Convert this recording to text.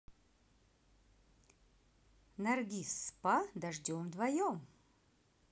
наргиз спа дождем вдвоем